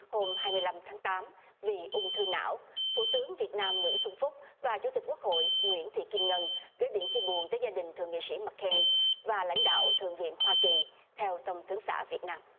hôm hai mươi lăm tháng tám vì ung thư não thủ tướng việt nam nguyễn xuân phúc và chủ tịch quốc hội nguyễn thị kim ngân gửi điện chia buồn tới gia đình thượng nghị sĩ mác ken và lãnh đạo thượng viện hoa kỳ theo thông tấn xã việt nam